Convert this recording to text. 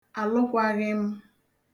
àlụkwāghị̄m